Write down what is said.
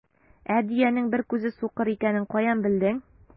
Ә дөянең бер күзе сукыр икәнен каян белдең?